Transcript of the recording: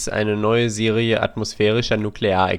eine neue Serie atmosphärischer Nuklear-Explosionen